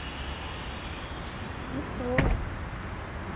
веселая